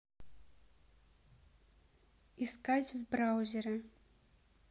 искать в браузере